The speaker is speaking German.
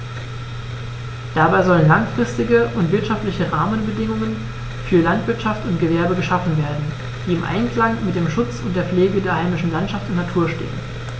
Dabei sollen langfristige und wirtschaftliche Rahmenbedingungen für Landwirtschaft und Gewerbe geschaffen werden, die im Einklang mit dem Schutz und der Pflege der heimischen Landschaft und Natur stehen.